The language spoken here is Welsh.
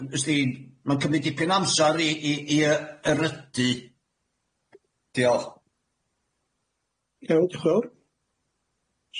Yym, 'sdi'n ma'n cymryd dipyn o amsar i i i yy erydu.